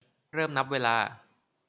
เริ่มนับเวลา